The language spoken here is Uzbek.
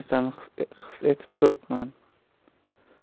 shu narsani his etib turibman